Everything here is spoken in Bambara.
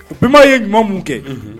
O biba ye ɲuman minnu kɛ